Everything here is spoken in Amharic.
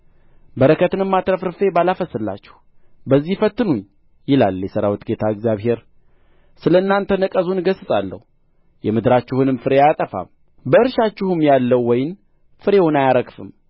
በረከትንም አትረፍርፌ ባላፈስስላችሁ በዚህ ፈትኑኝ ይላል የሠራዊት ጌታ እግዚአብሔር ስለ እናንተ ነቀዙን እገሥጻለሁ የምድራችሁንም ፍሬ አያጠፋም በእርሻችሁም ያለው ወይን ፍሬውን አያረግፍም